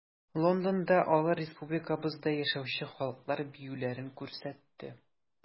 Лондонда алар республикабызда яшәүче халыклар биюләрен күрсәтте.